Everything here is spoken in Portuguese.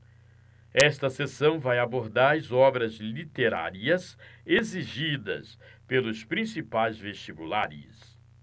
esta seção vai abordar as obras literárias exigidas pelos principais vestibulares